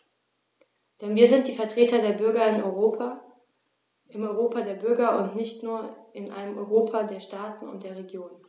Denn wir sind die Vertreter der Bürger im Europa der Bürger und nicht nur in einem Europa der Staaten und der Regionen.